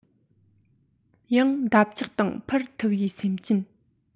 ཡང འདབ ཆགས དང འཕུར ཐུབ པའི སེམས ཅན